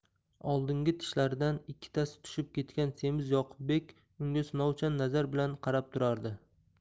oldingi tishlaridan ikkitasi tushib ketgan semiz yoqubbek unga sinovchan nazar bilan qarab turardi